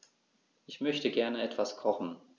Ich möchte gerne etwas kochen.